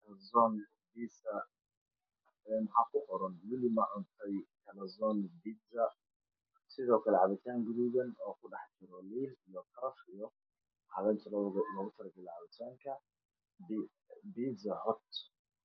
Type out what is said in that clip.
Waxaa ii muuqda diiza ku qoran kalzoon pizza petrol dhiga waa guduud piisaha kalarkiisa waa jaallo